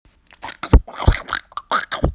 артик и асти асти господи